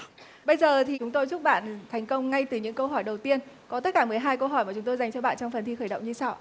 bây giờ thì chúng tôi chúc bạn thành công ngay từ những câu hỏi đầu tiên có tất cả mười hai câu hỏi mà chúng tôi dành cho bạn trong phần thi khởi động như sau ạ